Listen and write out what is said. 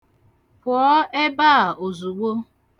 Pụọ ebe a ozugbo!